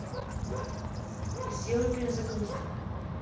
сделай перезагрузку